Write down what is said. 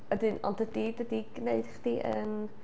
Ond wedyn dydy dydy gwneud chi yn...